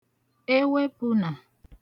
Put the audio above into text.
ewepụnà